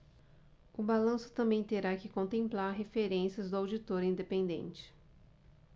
o balanço também terá que contemplar referências do auditor independente